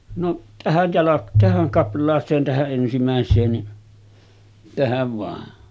no tähän - tähän kaplaaseen tähän ensimmäiseen niin tähän vain